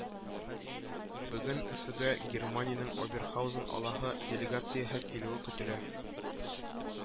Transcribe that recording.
Бөгөн Өфөгә Германияның Оберхаузен алаһы делегацияһы килеүе көтөлә